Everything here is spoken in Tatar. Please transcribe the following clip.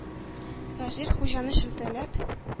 Вәзир, Хуҗаны шелтәләп: